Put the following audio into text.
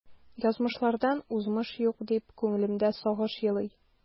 Язмышлардан узмыш юк, дип күңелемдә сагыш елый.